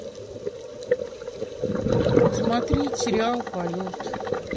смотреть сериал полет